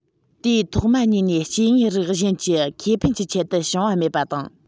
དེ ཐོག མ ཉིད ནས སྐྱེ དངོས རིགས གཞན གྱི ཁེ ཕན གྱི ཆེད དུ བྱུང བ མེད པ དང